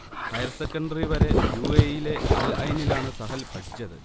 Higher secondary വരെ U. A. E. യിലെ അൽ ഐനിലാണു സഹൽ പഠിച്ചത്